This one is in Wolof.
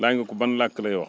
laaj nga ko ban làkk lay wax